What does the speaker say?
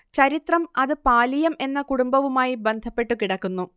ചരിത്രം അത് പാലിയം എന്ന കുടുംബവുമായി ബന്ധപ്പെട്ടു കിടക്കുന്നു